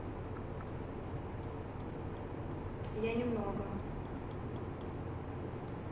я немного